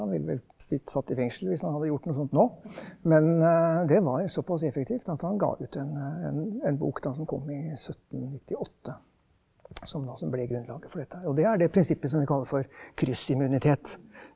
han ville vel blitt satt i fengsel hvis han hadde gjort noe sånt nå, men det var såpass effektivt at han ga ut en en en bok da som kom i 1798 som da altså ble grunnlaget for dette her, og det er det prinsippet som vi kaller for kryssimmunitet.